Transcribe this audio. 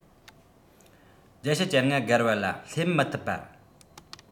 བརྒྱ ཆ ༨༥ བརྒལ བ ལ སླེབས མི ཐུབ པར